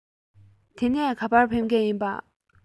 དེ ནས ག པར ཕེབས མཁན ཡིན པ